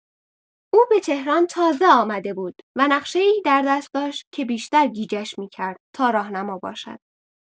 او به تهران تازه آمده بود و نقشه‌ای در دست داشت که بیشتر گیجش می‌کرد تا راهنما باشد.